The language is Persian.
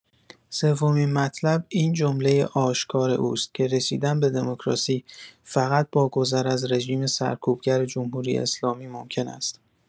سومین مطلب، این جملۀ آشکار اوست که رسیدن به دموکراسی فقط با گذر از رژیم سرکوبگر جمهوری‌اسلامی ممکن است.